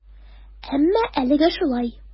Әмма әлегә шулай.